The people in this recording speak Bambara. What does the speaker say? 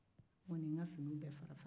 o ye n ka fini bɛɛ fara-fara